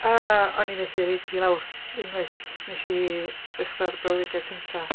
Yy o'n i methu rhoi hi lawr, unwaith wnes i ddechrau'r brawddegau cyntaf.